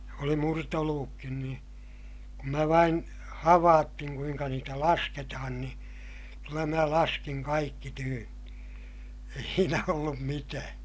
oli murtoluvutkin niin kun minä vain havaitsin kuinka niitä lasketaan niin kyllä minä laskin kaikki tyynni ei siinä ollut mitään